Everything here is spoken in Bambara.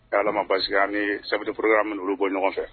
Ni Ala ma basi kɛ an bi chef de programme ni olu bɔ ɲɔgɔn fɛ.